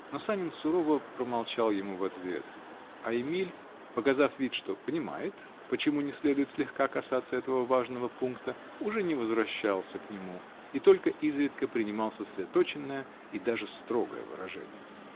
но Санин сурово промолчал ему в ответ, а Эмиль, показав вид, что понимает, почему не следует слегка касаться этого важного пункта, уже не возвращался к нему -- и только изредка принимал сосредоточенное и даже строгое выражение.